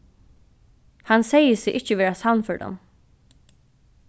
hann segði seg ikki vera sannførdan